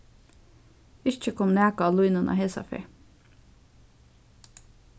ikki kom nakað á línuna hesa ferð